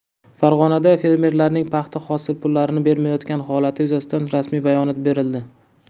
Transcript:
farg'onada fermerlarning paxta hosili pullarini bermayotgani holati yuzasidan rasmiy bayonot berildi